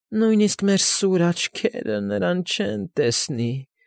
Նույնիսկ մեր ս֊ս֊սուր աչքերը նրան չեն նկատի։